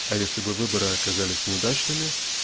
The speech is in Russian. а если бы выборы оказались неудачными